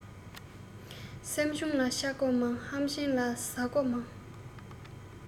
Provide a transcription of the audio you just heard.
སེམས ཆུང ལ ཆགས སྒོ མང ཧམ ཆེན ལ ཟ སྒོ མང